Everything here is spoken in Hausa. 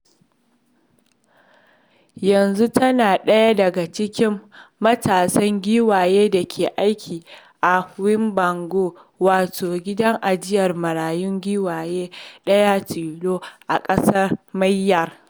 Yanzu tana ɗaya daga cikin matasan giwayen da ke ajiye a Wingabaw, wato gidan ajiyar marayun giwaye ɗaya tilo a ƙasar Myanmar.